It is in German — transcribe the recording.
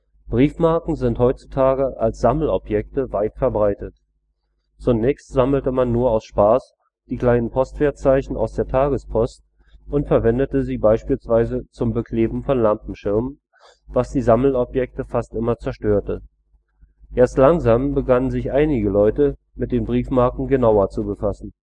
Briefmarken sind heutzutage als Sammelobjekte weit verbreitet. Zunächst sammelte man nur aus Spaß die kleinen Postwertzeichen aus der Tagespost und verwendete sie beispielsweise zum Bekleben von Lampenschirmen, was die Sammelobjekte fast immer zerstörte. Erst langsam begannen sich einige Leute mit den Briefmarken genauer zu befassen